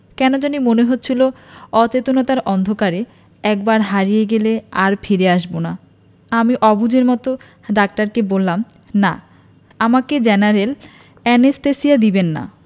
কেন জানি মনে হচ্ছিলো অচেতনতার অন্ধকারে একবার হারিয়ে গেলে আর ফিরে আসবো না আমি অবুঝের মতো ডাক্তারকে বললাম না আমাকে জেনারেল অ্যানেসথেসিয়া দিবেন না